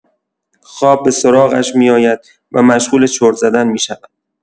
خواب به‌سراغش می‌آید و مشغول چرت‌زدن می‌شود.